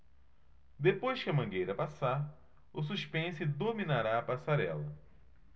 depois que a mangueira passar o suspense dominará a passarela